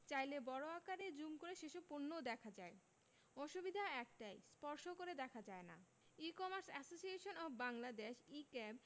চাইলে বড় আকারে জুম করে সেসব পণ্য দেখা যায় অসুবিধা একটাই স্পর্শ করে দেখা যায় না e commerce association of Bangladesh e cab